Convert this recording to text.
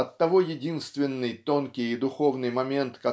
Оттого единственный тонкий и духовный момент